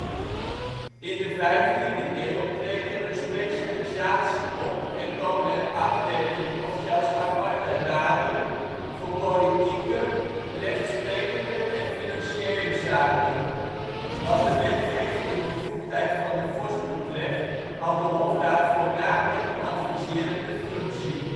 In de 15e eeuw treedt er een specialisatie op en komen er afdelingen of zelfs aparte raden voor politieke, rechtsprekende en financiële zaken. Wat de wetgevende bevoegdheid van de vorst betreft had de hofraad voornamelijk een adviserende functie